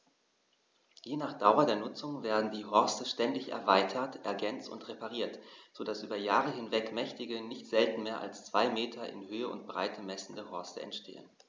Je nach Dauer der Nutzung werden die Horste ständig erweitert, ergänzt und repariert, so dass über Jahre hinweg mächtige, nicht selten mehr als zwei Meter in Höhe und Breite messende Horste entstehen.